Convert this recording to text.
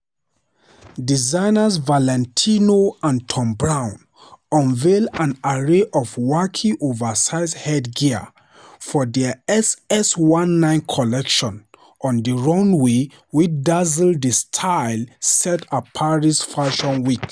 Designers Valentino and Thom Browne unveiled an array of wacky oversized head gear for their SS19 collection on the runway which dazzled the style set at Paris Fashion Week.